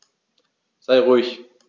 Sei ruhig.